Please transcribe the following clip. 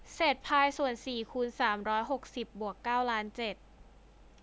เศษพายส่วนสี่คูณสามร้อยหกสิบบวกเก้าล้านเจ็ด